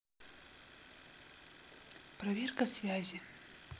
проверка связи